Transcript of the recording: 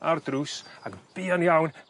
a'r drws ag y buan iawn